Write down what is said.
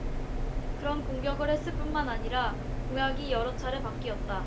그런 공격을 했을 뿐만 아니라 공약이 여러 차례 바뀌었다